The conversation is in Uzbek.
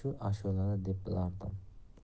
shu ashulada deb bilardim